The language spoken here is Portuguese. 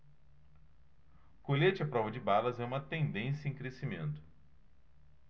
colete à prova de balas é uma tendência em crescimento